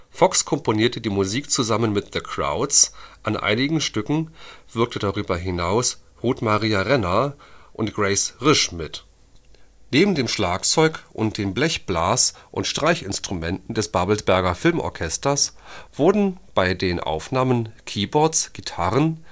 Fox komponierte die Musik zusammen mit The Krauts, an einigen Stücken wirkten darüber hinaus Ruth-Maria Renner und Grace Risch mit. Neben dem Schlagzeug und den Blechblas - und Streichinstrumenten des Babelsberger Filmorchesters wurden bei den Aufnahmen Keyboards, Gitarren